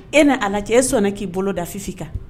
E ni ala cɛ e sɔnna k'i bolo da Fifi kan.